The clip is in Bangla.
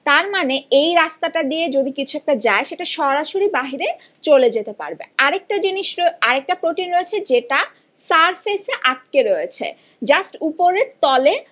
তার মানে এই রাস্তাটা দিয়ে যদি কিছু একটা যায় সেটা সরাসরি বাহিরে চলে যেতে পারবে আরেকটা জিনিস আরেকটা প্রোটিন রয়েছে যেটা সারফেসে আটকে রয়েছে জাস্ট উপরের তলে